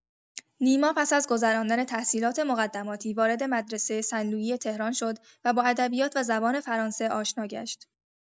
نیما پس از گذراندن تحصیلات مقدماتی، وارد مدرسه سن‌لویی تهران شد و با ادبیات و زبان فرانسه آشنا گشت.